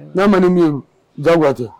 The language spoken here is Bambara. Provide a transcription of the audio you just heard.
N'a ma ni min ja gatɛ